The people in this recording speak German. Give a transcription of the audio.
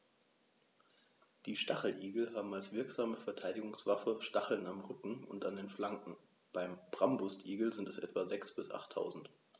Die Stacheligel haben als wirksame Verteidigungswaffe Stacheln am Rücken und an den Flanken (beim Braunbrustigel sind es etwa sechs- bis achttausend).